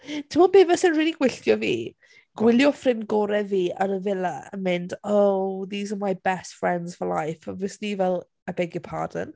Timod be' fysa'n rili gwylltio fi? Gwylio ffrind gorau fi yn y villa yn mynd, "Oh these are my best friends for life". A fyswn i fel "I beg your pardon"?